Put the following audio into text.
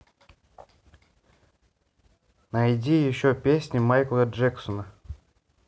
найди еще песни майкла джексона